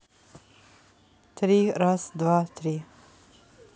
три раз два три